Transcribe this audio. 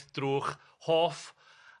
drw'ch hoff